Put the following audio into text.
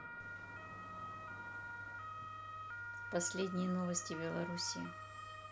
последние новости белоруссии